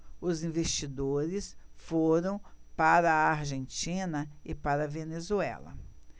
os investidores foram para a argentina e para a venezuela